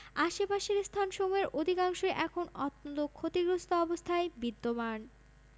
আশে পাশের স্থানসমূহের অধিকাংশই এখন অত্যন্ত ক্ষতিগ্রস্ত অবস্থায় বিদ্যমান